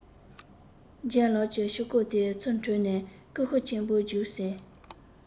ལྗད ལགས ཀྱིས ཕྱུར སྐོམ དེ ཚུར འཕྲོག ནས སྐད ཤུགས ཆེན པོས རྒྱུགས ཟེར